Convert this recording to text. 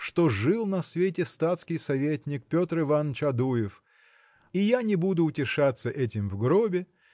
что жил на свете статский советник Петр Иваныч Адуев и я не буду утешаться этим в гробе